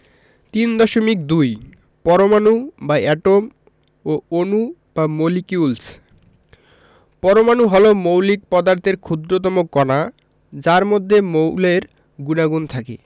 ৩.২ পরমাণু বা এটম ও অণু বা মলিকিউলস পরমাণু হলো মৌলিক পদার্থের ক্ষুদ্রতম কণা যার মধ্যে মৌলের গুণাগুণ থাকে